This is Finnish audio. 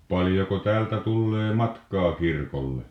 paljonko täältä tulee matkaa kirkolle